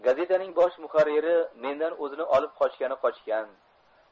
gazetaning bosh muharriri mendan o'zini olib qochgani qochgan